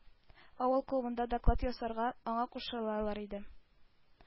Авыл клубында доклад ясарга аңа кушалар иде.